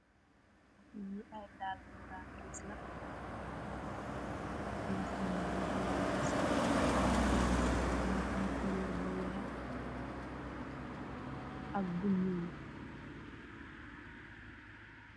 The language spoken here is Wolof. Dallil marakis buweeah.